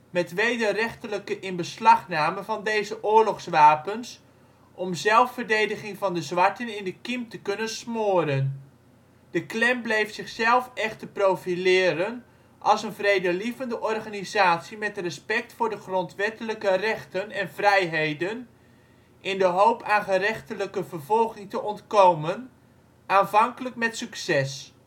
met wederrechtelijke inbeslagname van deze oorlogswapens om zelfverdediging van de zwarten in de kiem te kunnen smoren. De Klan bleef zichzelf echter profileren als een vredelievende organisatie met respect voor de grondwettelijke rechten en vrijheden in de hoop aan gerechtelijke vervolging te ontkomen, aanvankelijk met succes